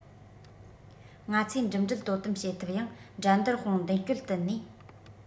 ང ཚོས འགྲིམ འགྲུལ དོ དམ བྱེད ཐབས ཡང འགྲན བསྡུར དཔུང མདུན བསྐྱོད བསྟུན ནས